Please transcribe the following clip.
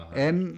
en